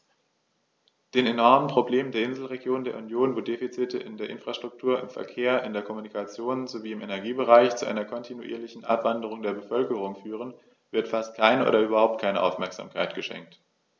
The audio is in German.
Den enormen Problemen der Inselregionen der Union, wo die Defizite in der Infrastruktur, im Verkehr, in der Kommunikation sowie im Energiebereich zu einer kontinuierlichen Abwanderung der Bevölkerung führen, wird fast keine oder überhaupt keine Aufmerksamkeit geschenkt.